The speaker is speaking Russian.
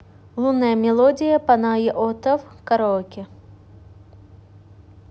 лунная мелодия панайотов караоке